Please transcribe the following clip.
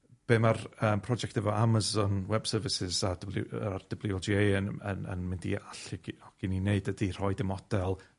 be' ma'r yym project efo Amazon Web Services a dwli- yy a'r Double You El Gee Ay yn yn yn mynd i alluogi ni neud ydi rhoid y model